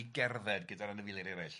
i gerdded gyda'r anifeiliaid eraill.